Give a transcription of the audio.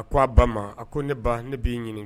A ko' a ba ma a ko ne ne b'i ɲini